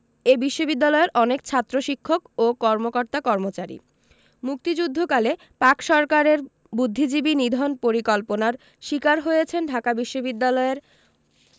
এ বিশ্ববিদ্যালয়ের অনেক ছাত্র শিক্ষক ও কর্মকর্তা কর্মচারী মুক্তিযুদ্ধকালে পাক সরকারের বুদ্ধিজীবী নিধন পরিকল্পনার শিকার হয়েছেন ঢাকা বিশ্ববিদ্যাপলয়ের